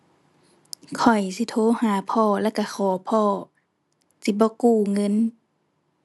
ข้อยสิโทรหาพ่อแล้วก็ขอพ่อ สิบ่กู้เงิน